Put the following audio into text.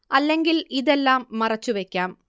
അല്ലെങ്കിൽ ഇതെല്ലാം മറച്ചുവെക്കാം